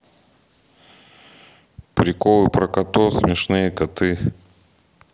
приколы про котов смешные коты